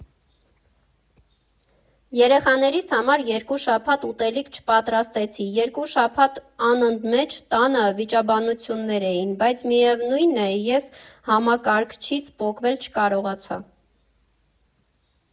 Երեխաներիս համար երկու շաբաթ ուտելիք չպատրաստեցի, երկու շաբաթ անընդմեջ տանը վիճաբանություններ էին, բայց միևնույն է՝ ես համակարգչից պոկվել չկարողացա։